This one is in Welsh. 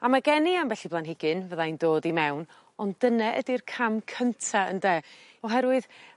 A ma' gen i ambell i blanhigyn fyddai'n dod i mewn ond dyne ydi'r cam cynta ynde? Oherwydd